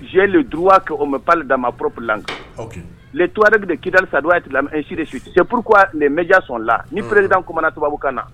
Ze duuruwa kɛ o mɛnp da a ma ppllan kan tilet de bɛ kida sa don a ti la e sire su cɛpuru nin mja son la niereedkumanana tubabubu kan na